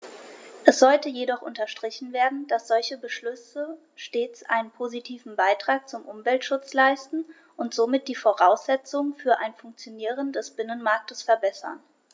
Es sollte jedoch unterstrichen werden, dass solche Beschlüsse stets einen positiven Beitrag zum Umweltschutz leisten und somit die Voraussetzungen für ein Funktionieren des Binnenmarktes verbessern.